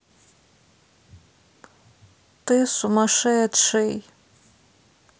ты сумасшедший